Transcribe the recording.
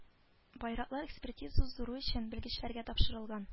Байраклар экспертиза уздыру өчен белгечләргә тапшырылган